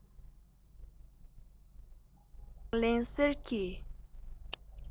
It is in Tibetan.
ལག ལེན གསེར གྱི